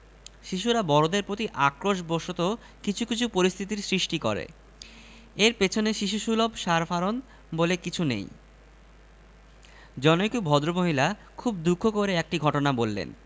তরুণী সভাপতি ভাবলেন যেহেতু মেয়ে কাজেই সে নিশ্চয়ই হ্যাণ্ডশেক করবে না মেয়েটি হ্যাণ্ডশেক করতে গিয়ে লজ্জিত হয়ে লক্ষ্য করল সভাপতি হাত বাড়াচ্ছেন না সে লাল হয়ে হাত নামিয়ে নিল